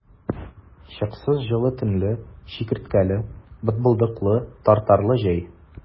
Чыксыз җылы төнле, чикерткәле, бытбылдыклы, тартарлы җәй!